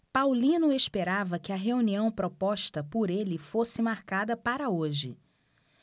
paulino esperava que a reunião proposta por ele fosse marcada para hoje